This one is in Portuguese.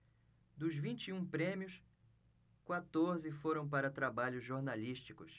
dos vinte e um prêmios quatorze foram para trabalhos jornalísticos